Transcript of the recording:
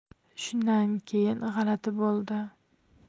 shundan keyin g'alati bo'ldi